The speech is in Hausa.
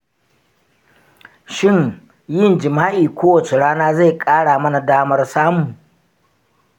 shin yin jima’i kowace rana zai ƙara mana damar samu?